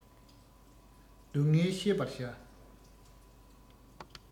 སྡུག བསྔལ ཤེས པར བྱ